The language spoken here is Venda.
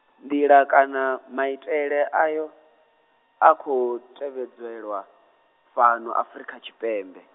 nḓila kana maitele haya, a khou tevhedzelwa, fhano Afurika Tshipembe.